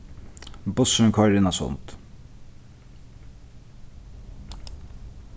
bussurin koyrir inn á sund